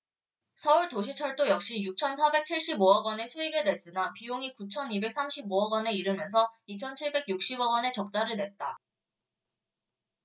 서울도시철도 역시 육천 사백 칠십 오 억원의 수익을 냈으나 비용이 구천 이백 삼십 오 억원에 이르면서 이천 칠백 육십 억원의 적자를 냈다